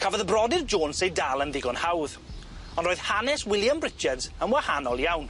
Cafodd y brodyr Jones eu dal yn ddigon hawdd, ond roedd hanes William Richards yn wahanol iawn.